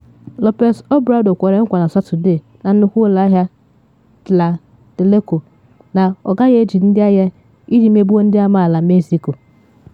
Lopez Obrador kwere nkwa na Satọde na Nnukwu Ụlọ Ahịa Tlatelolco na “ọ gaghị eji ndị agha iji megbuo ndị amaala Mexico.”